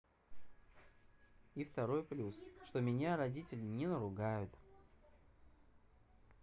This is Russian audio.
и второй плюс что меня родители не наругают